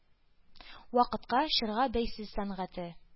Вакытка, чорга бәйсез сәнгате.